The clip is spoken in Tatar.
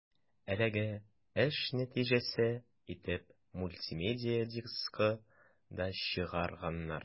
Әлеге эш нәтиҗәсе итеп мультимедия дискы да чыгарганнар.